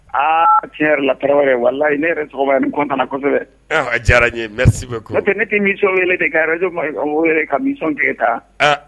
Aa tiɲɛ yɛrɛ la tarawele ye wala ne yɛrɛ tɔgɔ ni kɔn kosɛbɛ a diyara ye tɛ ne tɛ misiw wele kaj wele kami nisɔn tigɛta